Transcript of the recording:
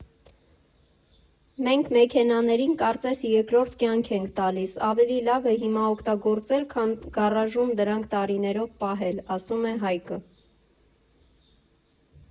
Մենք մեքենաներին, կարծես, երկրորդ կյանք ենք տալիս, ավելի լավ է հիմա օգտագործել, քան գարաժում դրանք տարիներով պահել»,֊ ասում է Հայկը։